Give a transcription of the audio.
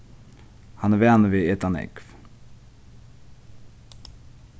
hann er vanur við at eta nógv